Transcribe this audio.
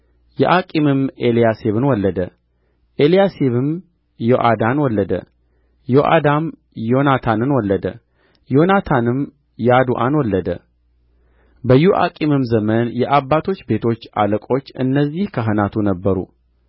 ዮአቂምም ኤልያሴብን ወለደ ኤልያሴብም ዮአዳን ወለደ ዮአዳም ዮናታንን ወለደ ዮናታንም ያዱአን ወለደ በዮአቂምም ዘመን የአባቶች ቤቶች አለቆች እነዚህ ካህናቱ ነበሩ